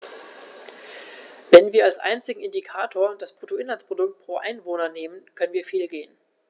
Wenn wir als einzigen Indikator das Bruttoinlandsprodukt pro Einwohner nehmen, können wir fehlgehen.